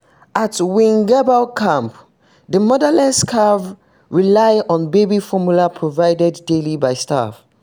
At Wingabaw Camp, the motherless calves rely on baby formula provided daily by staff.